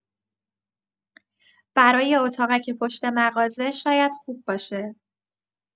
برای اتاقک پشت مغازه شاید خوب باشه.